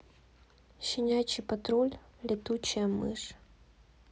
щенячий патруль летучая мышь